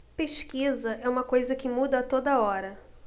pesquisa é uma coisa que muda a toda hora